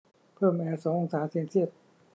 เพิ่มแอร์สององศาเซลเซียส